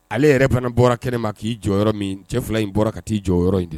Ale yɛrɛ fana bɔra kɛnɛ ma k'i jɔyɔrɔ yɔrɔ min cɛ fila in bɔra ka t'i jɔyɔrɔ yɔrɔ in de